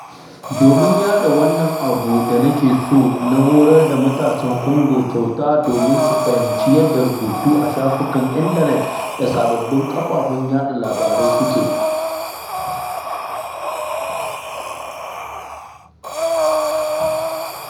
Domin yaɗa wannan abu da nake so, na horar da matasan Congo kyauta domin su fahimci yadda rubutu a shafukan intanet da sababbin kafafen yaɗa labarai suke.